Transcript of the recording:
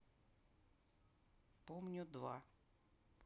помню два